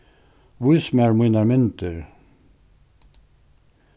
vís mær mínar myndir